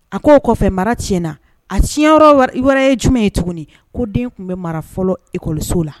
A k' o kɔfɛ mara ti na a tiɲɛ wɛrɛ ye jumɛn ye tuguni ko den tun bɛ mara fɔlɔ ekɔsow la